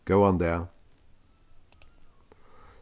góðan dag